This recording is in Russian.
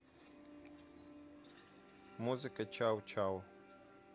музыка чау чау